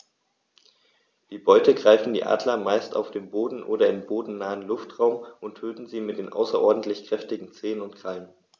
Die Beute greifen die Adler meist auf dem Boden oder im bodennahen Luftraum und töten sie mit den außerordentlich kräftigen Zehen und Krallen.